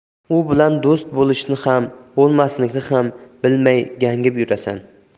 u bilan do'st bo'lishni ham bo'lmaslikni ham bilmay gangib yurasan